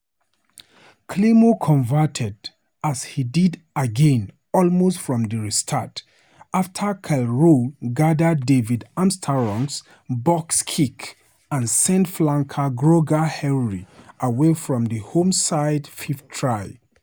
Climo converted, as he did again almost from the restart, after Kyle Rowe gathered David Armstrong's box kick and sent flanker Gregor Henry away for the home side's fifth try.